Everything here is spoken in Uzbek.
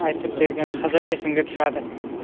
aytib bergan xizr esimga tushadi